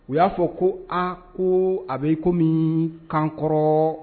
U y'a fɔ ko a ko a bɛ ko min kanto kɔrɔ